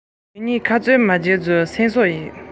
ང གཉིས ཁ རྩོད མི བྱེད ཅེས སེམས གསོ